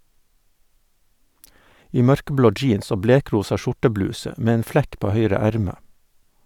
I mørkeblå jeans og blekrosa skjortebluse, med en flekk på høyre erme.